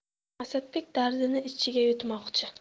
asadbek dardini ichiga yutmoqchi